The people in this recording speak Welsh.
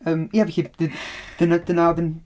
Yym ie felly d- dyna- dyna oedd ein...